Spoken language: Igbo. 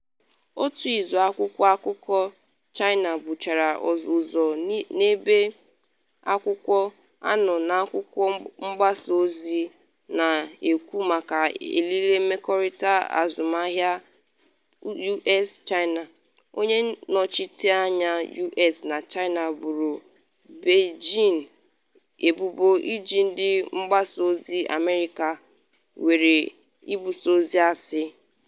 Otu izu akwụkwọ akụkọ China buchara ozi n’ibe akwụkwọ anọ n’akwụkwọ mgbasa ozi U.S na-ekwu maka elele mmekọrịta azụmahịa U.S.-China, onye nnọchite anya U.S na China boro Beijing ebubo iji ndị mgbasa ozi America were ebusa ozi asị.